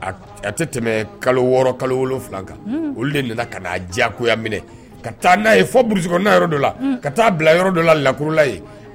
A tɛ tɛmɛ kalo wɔɔrɔ kalo wolonwula kan olu de nana ka diyaya minɛ ka taauru ka taa bila yɔrɔ dɔ la lakurula